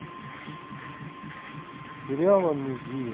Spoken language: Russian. сериал амнезия